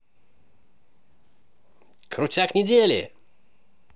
крутяк недели